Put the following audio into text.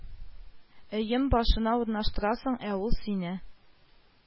Өем башына урнаштырасың, ә ул сине